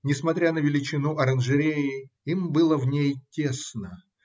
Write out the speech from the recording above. Несмотря на величину оранжереи, им было в ней тесно.